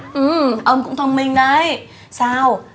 ứ ừ ông cũng thông minh đấy sao